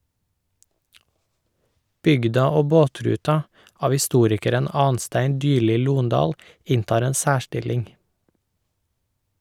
"Bygda og båtruta" av historikeren Anstein Dyrli Lohndal inntar en særstilling.